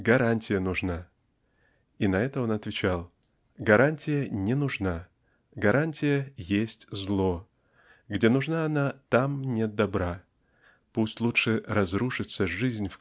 Гарантия нужна!" -- И на это он отвечал: "Гарантия не нужна! Гарантия есть зло. Где нужна она, там нет добра пусть лучше разрушится жизнь